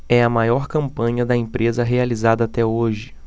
é a maior campanha da empresa realizada até hoje